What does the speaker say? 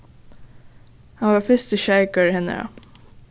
hann var fyrsti sjeikur hennara